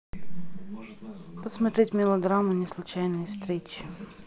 посмотреть мелодраму неслучайные встречи